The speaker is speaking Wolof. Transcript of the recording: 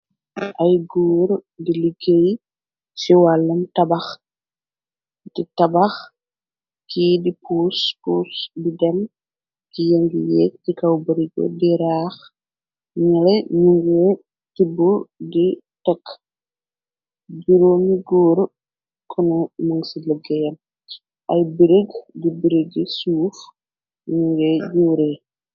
Ay góur di liggéey ci wàllam taaxdi tabax ki di pus pus bi dem ki yëngi yeeg ci kaw barigu di raax ñele ñu nge tibbu di tëkk juróomi guur kono mëng ci lëggéeyrc ay birig di birig suuf ñu nge jóuree.